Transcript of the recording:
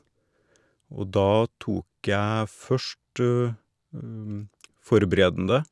Og da tok jeg først forberedende.